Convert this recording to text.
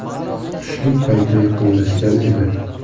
tushlik payti yaqinlashgan edi